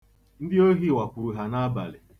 Ndị ohi wakwuru ha n'abalị.